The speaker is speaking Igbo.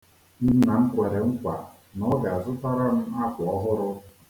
Nna m kwere nkwà na ọ ga-azụtara m akwa ọhụrụ.